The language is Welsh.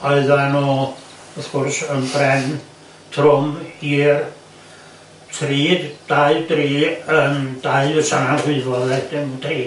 oeddan n'w w'th gwrs yn bren trwm i'r tri dau dri yym dau fysa 'na'n rhwyfo de? Dim tri.